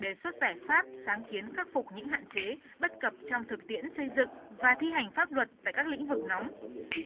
đề xuất giải pháp sáng kiến khắc phục những hạn chế bất cập trong thực tiễn xây dựng và thi hành pháp luật tại các lĩnh vực nóng